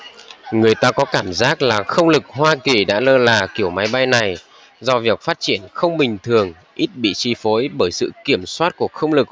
người ta có cảm giác là không lực hoa kỳ đã lơ là kiểu máy bay này do việc phát triển không bình thường ít bị chi phối bởi sự kiểm soát của không lực